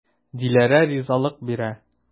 Диләрә ризалык бирә.